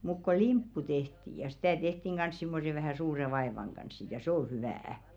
mutta kun limppu tehtiin ja sitä tehtiin kanssa semmoisen vähän suuren vaivan kanssa sitten ja se on hyvää